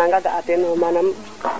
jagle e rew we